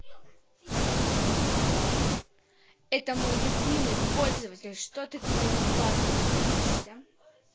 это мой любимый пользователь что ты к моему парню клеешься